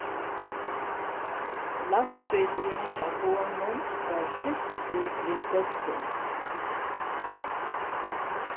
lastbilurin hjá honum var fyltur við góðsi